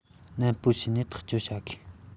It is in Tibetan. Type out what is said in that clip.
ནན པོས བྱས ནས ཐག གཅོད བྱེད ངོས ཡིན